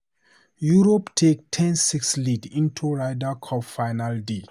Europe take 10-6 lead into Ryder Cup final day